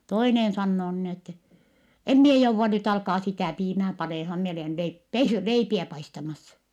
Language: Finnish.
toinen sanoo niin että en minä jouda nyt alkaa sitä piimää panemaan minä olen -- leipiä paistamassa